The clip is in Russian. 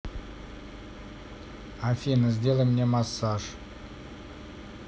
афина сделай мне массаж